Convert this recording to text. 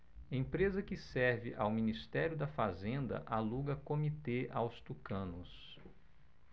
empresa que serve ao ministério da fazenda aluga comitê aos tucanos